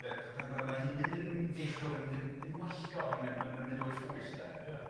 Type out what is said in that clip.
Be- pan pan pan ma' hi'n mynd yn feichiog mae'n mynd yn yn wallgo hynny mae'n mae'n mynd o'i phwyll de. Ia.